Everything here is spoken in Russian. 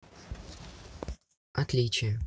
отличие